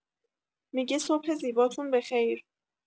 می‌گه صبح زیباتون بخیر